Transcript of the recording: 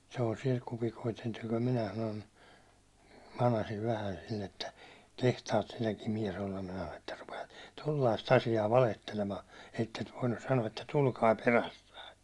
sellaisia kupikoita niitä oli minä sanon manasin vähän sillä että kehtaat sinäkin mies olla minä sanon että rupeat tuollaista asiaa valehtelemaan että et voinut sanoa että tulkaa perässä